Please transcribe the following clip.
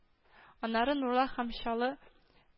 Аннары Нурлат һәм Чаллы